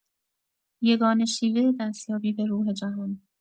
یگانه شیوه دست‌یابی به روح جهان